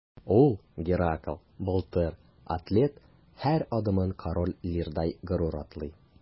Ул – Геракл, Былтыр, атлет – һәр адымын Король Лирдай горур атлый.